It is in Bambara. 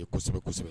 Kosɛbɛsɛbɛ